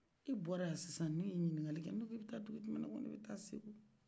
e bɔra yan sisan ne ye ɲininkali kɛ ne ko e be taa dugu jumɛn na e ko ne bɛ taa segu